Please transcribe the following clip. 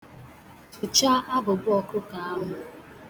Tuchaa abụbọ ọkụkọ ahu